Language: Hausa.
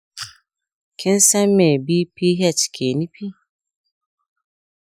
kinsan me bph ke nufi?